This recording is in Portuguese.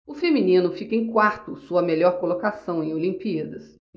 o feminino fica em quarto sua melhor colocação em olimpíadas